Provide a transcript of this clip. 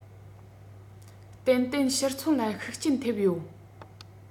ཏན ཏན ཕྱིར ཚོང ལ ཤུགས རྐྱེན ཐེབས ཡོད